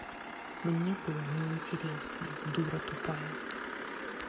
мне было неинтересно дура тупая